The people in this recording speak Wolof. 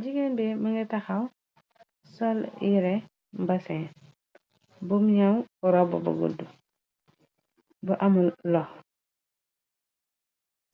jigéen bi më nga taxaw sol yire mbasin bum ñaw ropa bu gudd bu amul lox